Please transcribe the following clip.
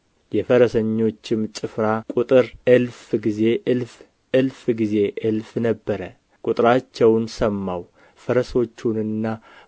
የፈረሰኞችም ጭፍራ ቁጥር እልፍ ጊዜ እልፍ እልፍ ጊዜ እልፍ ነበረ ቁጥራቸውን ሰማሁ ፈረሶቹንና